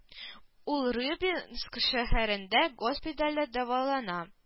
Ул рыбинск шәһәрендә госпитальдә дәвалана